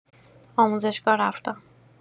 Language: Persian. آموزشگاه رفتم